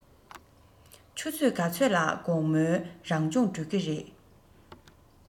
ཆུ ཚོད ག ཚོད ལ དགོང མོའི རང སྦྱོང གྲོལ ཀྱི རེད